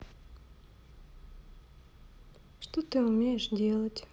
что ты умеешь делать